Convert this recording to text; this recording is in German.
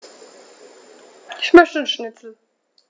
Ich möchte Schnitzel.